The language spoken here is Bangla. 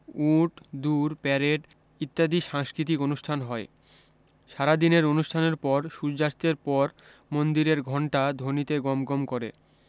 উট দুড় প্যারেড ইত্যাদি সাংস্কৃতিক অনুষ্ঠান হয় সারাদিনের অনুষ্ঠানের পর সূর্যাস্তের পর মন্দিরের ঘণ্টা ধনীতে গমগম করে